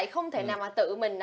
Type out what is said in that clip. không thể nào mà tự mình